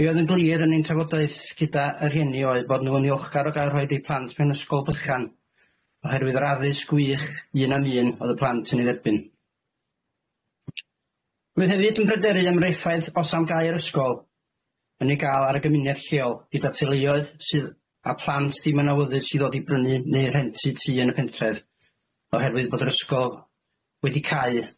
Be' oedd yn glir yn ein trafodaeth gyda y rhieni oedd bod nhw'n ddiolchgar o gael rhoid eu plant mewn ysgol bychan, oherwydd yr addysg gwych un am un o'dd y plant yn ei dderbyn. Rwyf hefyd yn pryderu am yr effaith, os am gau'r ysgol, yn ei gael ar y gymuned lleol, gyda teuluoedd sydd, a plant ddim yn awyddus i ddod i brynu neu rhentu tŷ yn y pentref, oherwydd fod yr ysgol wedi cau,